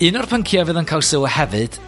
Un o'r pyncia' fydd yn ca'l sylw hefyd.